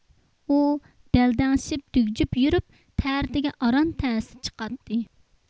ئۇ دەلدەڭشىپ دۈگجۈپ يۈرۈپ تەرىتىگە ئاران تەستە چىقاتتى